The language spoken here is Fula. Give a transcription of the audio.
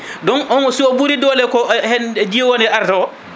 donc on ɓuuri dole ko hen jiwode arata o